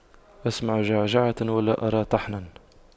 أسمع جعجعة ولا أرى طحنا